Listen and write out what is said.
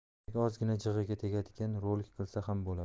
demak ozgina jig'iga tegadigan rolik qilsa ham bo'ladi